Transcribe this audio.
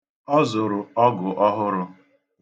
Ọ zụrụ ọgụ ọhụrụ